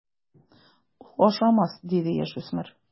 Ул ашамас, - диде яшүсмер.